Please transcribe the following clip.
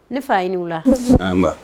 Ne fa ye wula